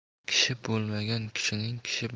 kishi bo'lmagan kishining kishi